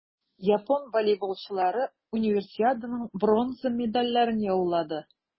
Япон волейболчылары Универсиаданың бронза медальләрен яулады.